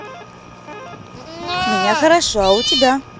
меня хорошо у тебя как